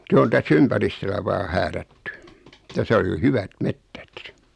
se on tässä ympäristöllä vain häärätty tässä oli jo hyvät metsät